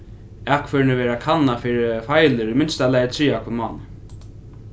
akførini verða kannað fyri feilir í minsta lagi triðja hvønn mánað